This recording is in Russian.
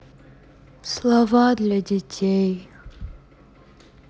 слова для детей